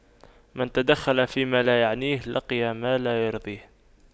من تدخل فيما لا يعنيه لقي ما لا يرضيه